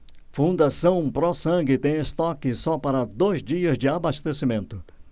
fundação pró sangue tem estoque só para dois dias de abastecimento